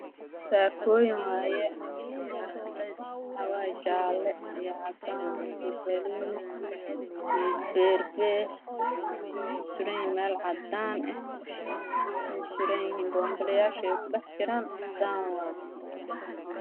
Halkaan waxaa ka muuqdo saakooyin kala duwan sida mid buluug iyo cadays iskugu jirto mid jaalo madaw iyo cadays iskugu jirto